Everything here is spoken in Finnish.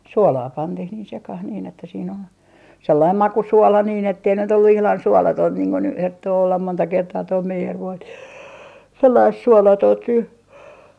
suolaa pantiin niin sekaan niin että siinä oli sellainen makusuola niin että ei nyt ollut ihan suolatonta niin kuin nyt herttoo olla monta kertaa tuo meijerivoi sellaista suolatonta nyt